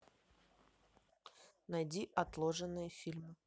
найди отложенные фильмы